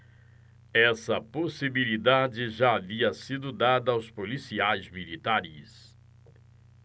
essa possibilidade já havia sido dada aos policiais militares